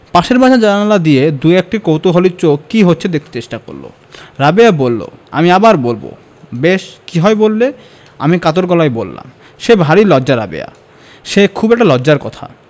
পাশের বাসার জানালা দিয়ে দুএকটি কৌতুহলী চোখ কি হচ্ছে দেখতে চেষ্টা করবে রাবেয়া বললো আমি আবার বলবো বেশ কি হয় বললে আমি কাতর গলায় বললাম সে ভারী লজ্জা রাবেয়া এটা সে খুব একটা লজ্জার কথা